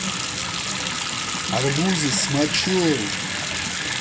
арбузы с мочой